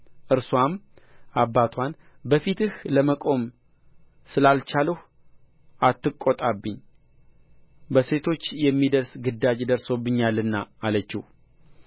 እርስዋም አባትዋን በፊትህ ለመቆም ስላልቻልሁ አትቆጣብኝ በሴቶች የሚደርስ ግዳጅ ደርሶብኛልና አለችው